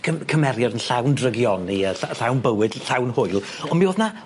cym- cymeriad yn llawn drygioni a lly- lawn bywyd llawn hwyl on' mi o'dd 'na